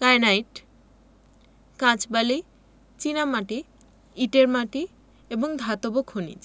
kyanite কাঁচবালি চীনামাটি ইটের মাটি এবং ধাতব খনিজ